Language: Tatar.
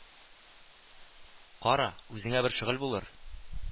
Кара, үзеңә бер шөгыль булыр